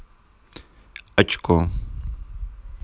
очко